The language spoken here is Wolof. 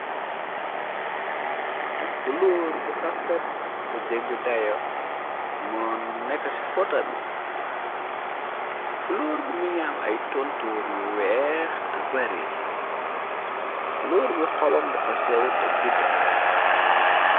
Fuloor bu rafet te jëgg daya moo nekk ci fota bi fuloor bi minaam ay tontoor yu weex te bari fuloor bi xobam dafa sew te gudda.